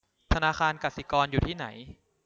ธนาคารกสิกรอยู่ที่ไหน